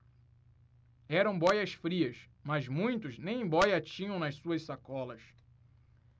eram bóias-frias mas muitos nem bóia tinham nas suas sacolas